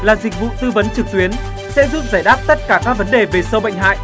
là dịch vụ tư vấn trực tuyến sẽ giúp giải đáp tất cả các vấn đề về sâu bệnh hại